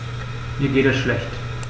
Mir geht es schlecht.